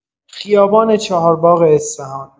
خیابان چهارباغ اصفهان